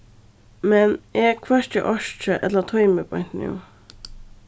men eg hvørki orki ella tími beint nú